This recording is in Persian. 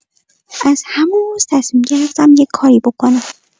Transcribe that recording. از همون روز تصمیم گرفتم یه کاری بکنم.